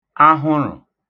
̣ahwụṙụ̀